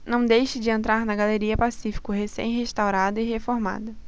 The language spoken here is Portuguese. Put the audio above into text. não deixe de entrar na galeria pacífico recém restaurada e reformada